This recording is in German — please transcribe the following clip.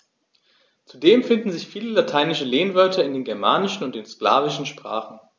Zudem finden sich viele lateinische Lehnwörter in den germanischen und den slawischen Sprachen.